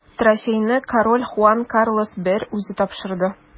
Трофейны король Хуан Карлос I үзе тапшырды.